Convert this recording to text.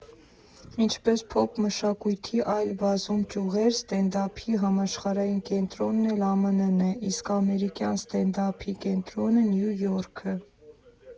Ինչպես փոփ մշակույթի այլ բազում ճյուղեր, ստենդափի համաշխարհային կենտրոնն էլ ԱՄՆ֊ն է, իսկ ամերիկյան ստենդափի կենտրոնը՝ Նյու Յորքը։